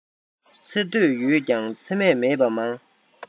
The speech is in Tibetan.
ཚེ སྟོད ཡོད ཀྱང ཚེ སྨད མེད པ མང